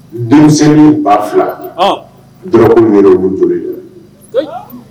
Denmisɛnni 2000 ɔnh drogue yer'olu jeli de la skeyi naam